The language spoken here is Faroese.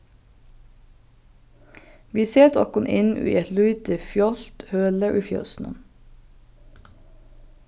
vit seta okkum inn í eitt lítið fjálgt høli í fjósinum